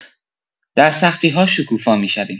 در سختی‌ها شکوفا می‌شویم.